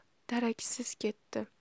daraksiz ketdi